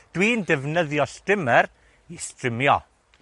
So, dwi'n defnyddio strimer i strimio.